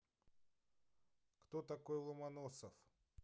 кто такой ломоносов